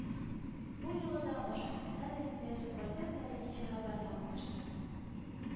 Бу юлы да Башкортстан әдипләре байтак мәдәни чараларда катнашты